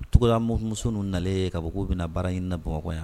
U cogolamuso nunun nalen ka bɔ ku bi na baara ɲini na Bamakɔ yan.